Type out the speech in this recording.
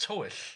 Tywyll.